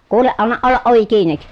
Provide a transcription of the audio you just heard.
kuule anna olla ovi kiinni